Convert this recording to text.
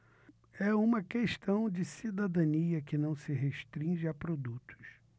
é uma questão de cidadania que não se restringe a produtos